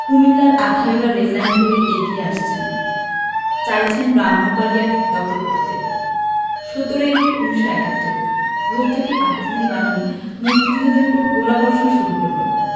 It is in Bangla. কুমিল্লার আখাউড়া রেললাইন ধরে এগিয়ে আসছে চাইছে ব্রাহ্মনবাড়িয়া দখল করতে ১৭ এপ্রিল ১৯৭১ ভোর থেকেই পাকিস্তানি বাহিনী মুক্তিযোদ্ধাদের উপর গোলাবর্ষণ শুরু করল